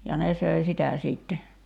ja ne söi sitä sitten